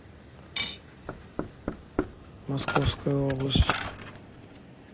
московская область